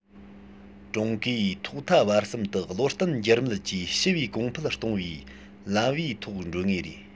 ཀྲུང གོས ཐོག མཐའ བར གསུམ དུ བློ བརྟན འགྱུར མེད ཀྱིས ཞི བས གོང འཕེལ གཏོང བའི ལམ བུའི ཐོག འགྲོ ངེས རེད